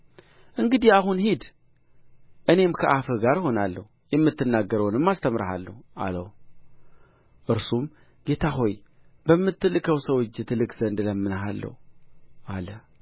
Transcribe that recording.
እንግዲህ አሁን ሂድ እኔም ከአፍህ ጋር እሆናለሁ የምትናገረውንም አስተምርሃለሁ አለው እርሱም ጌታ ሆይ በምትልከው ሰው እጅ ትልክ ዘንድ እለምንሃለሁ አለ